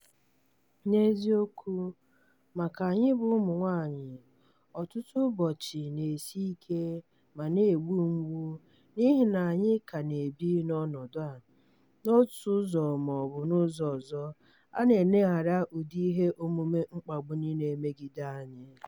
N'eziokwu, maka anyị bụ ụmụ nwaanyị, ọtụtụ ụbọchị na-esi ike ma na-egbu mgbu n'ihi na anyị ka na-ebi n'ọnọdụ ebe, n'otu ụzọ ma ọ bụ ,'ụzọ ọzọ, a na-eleghara ụdị ihe omume mkpagbu niile megide anyị.